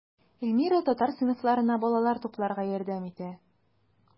Эльмира татар сыйныфларына балалар тупларга ярдәм итә.